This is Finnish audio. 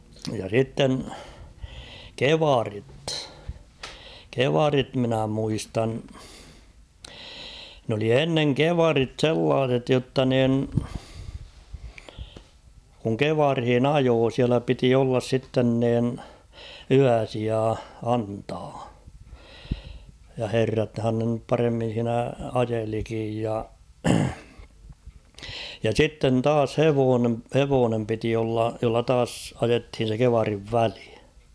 ja sitten kievarit kievarit minä muistan ne oli ennen kievarit sellaiset jotta niin kun kievaria ajoi siellä piti olla sitten niin yösija antaa ja herrathan ne nyt paremmin siinä ajelikin ja ja sitten taas hevonen hevonen piti olla jolla taas ajettiin se kievarin väli